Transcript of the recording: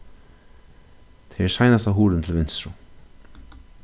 tað er seinasta hurðin til vinstru